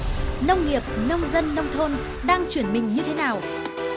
nông nghiệp nông dân nông thôn đang chuyển mình như thế nào